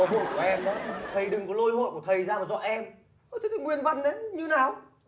hội của em đấy thầy đừng có lôi hội của thầy ra mà dọa em ơ thế thì nguyên văn đấy như nào